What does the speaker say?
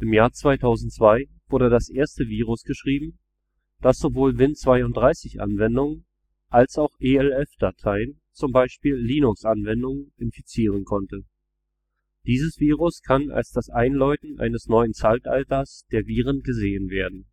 Jahr 2002 wurde das erste Virus geschrieben, das sowohl Win32-Anwendungen als auch ELF-Dateien (zum Beispiel Linux-Anwendungen) infizieren konnte. Dieses Virus kann als das Einläuten eines neuen Zeitalters der Viren gesehen werden